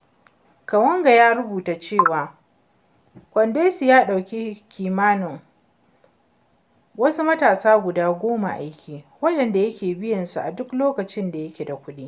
Kawanga ya rubuta cewa, Kondesi ya ɗauki kimanin wasu matasa goma aiki, waɗanda yake biyan su a duk lokacin da yake da kuɗi.